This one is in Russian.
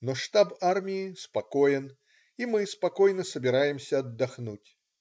Но штаб армии спокоен - и мы спокойно собираемся отдохнуть.